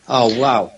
O waw!